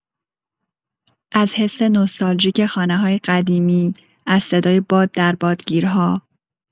از حس نوستالژیک خانه‌های قدیمی، از صدای باد در بادگیرها